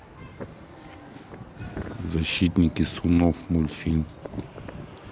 защитники снов мультфильм